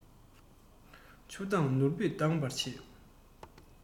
ཆུ མདངས ནོར བུས དྭངས པར བྱེད